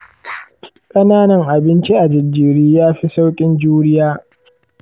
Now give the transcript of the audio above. ƙananan abinci a jejjere yafi sauƙin juriya.